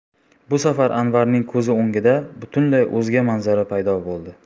bu safar anvarning ko'z o'ngida butunlay o'zga manzara paydo bo'ldi